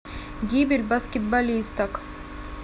гибель баскетболисток